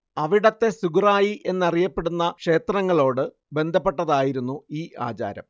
അവിടത്തെ സിഗുറായി എന്നറിയപ്പെടുന്ന ക്ഷേത്രങ്ങളോട് ബന്ധപ്പെട്ടതായിരുന്നു ഈ ആചാരം